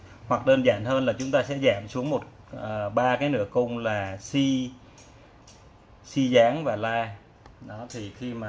hoặc đơn giản hơn là chúng ta sẽ giảm xuống bán cung đó là b bb và a